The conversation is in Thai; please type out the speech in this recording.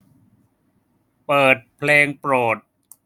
เปิดเพลงโปรด